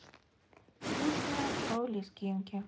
песни про лезгинки